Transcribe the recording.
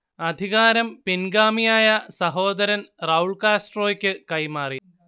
അധികാരം പിൻഗാമിയായിരുന്ന സഹോദരൻ റൗൾ കാസ്ട്രോക്ക് കൈമാറി